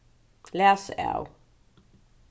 læs av